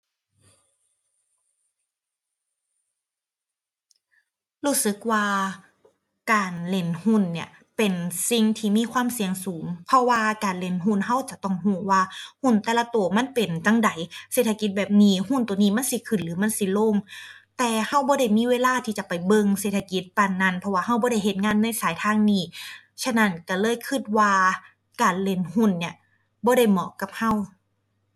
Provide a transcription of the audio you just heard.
รู้สึกว่าการเล่นหุ้นเนี่ย เป็นสิ่งที่มีความเสี่ยงสูง เพราะว่าการเล่นหุ้นเราจะต้องเราว่า หุ้นแต่ละเรามันเป็นจั่งใด เศรษฐกิจแบบนี้ หุ้นตัวนี้มันสิขึ้นหรือมันสิลง แต่เราบ่ได้มีเวลาที่จะไปเบิ่งเศรษฐกิจปานนั้น เพราะว่าเราบ่ได้เฮ็ดงานในสายทางนี้ ฉะนั้น เราเลยเราว่าการเล่นหุ้นเนี่ย บ่ได้เหมาะกับเรา